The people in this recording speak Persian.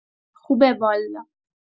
خوبه والا